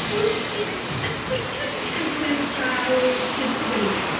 Pwy sydd wed- yd- pwy sydd wedi cerdded draw i'r pafiliwn?